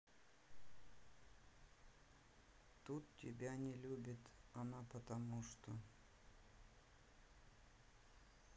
тут тебя не любит она потому что